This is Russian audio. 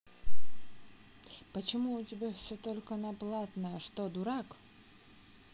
почему у тебя все только на платное что дурак